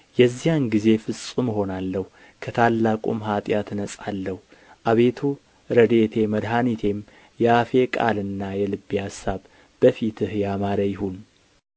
የዚያን ጊዜ ፍጹም እሆናለሁ ከታላቁም ኃጢአት እነጻለሁ አቤቱ ረድኤቴ መድኃኒቴም የአፌ ቃልና የልቤ አሳብ በፊትህ ያማረ ይሁን